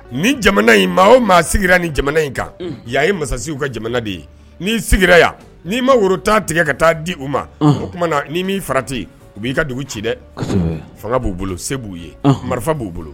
Ni jamana in maa o maa sigira nin jamana in kan yan ye masasisiw ka jamana de ye n'i sigira yan n'i ma woro tigɛ ka taa di u ma o tuma na n'i m'i farati u b'i ka dugu ci dɛ fanga b'u bolo se b'u ye marifa b'u